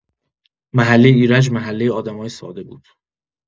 محله ایرج محله آدمای ساده بود.